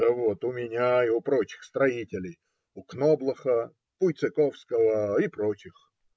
- Да вот у меня и у прочих строителей: у Кноблоха, Пуйциковского и у прочих.